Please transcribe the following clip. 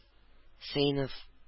Сыйныф